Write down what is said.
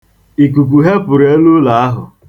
Ikuku hepụrụ elu ụlọ ahụ.